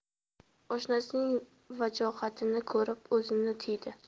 oshnasining vajohatini ko'rib o'zini tiydi